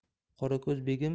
qorako'z begim endi yengil